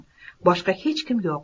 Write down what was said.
boshqa hech kim yo'q